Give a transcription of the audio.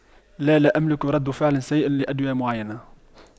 لا لا أملك رد فعل سيء لأدوية معينة